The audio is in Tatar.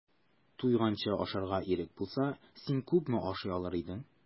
Туйганчы ашарга ирек булса, син күпме ашый алыр идең?